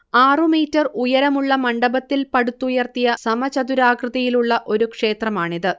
ആറുമീറ്റർ ഉയരമുള്ള മണ്ഡപത്തിൽ പടുത്തുയർത്തിയ സമചതുരാകൃതിയിലുള്ള ഒരു ക്ഷേത്രമാണിത്